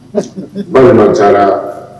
Bamanan taara